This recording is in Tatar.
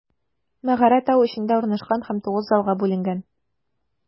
Мәгарә тау эчендә урнашкан һәм тугыз залга бүленгән.